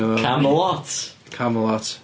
Camelot!... Camelot.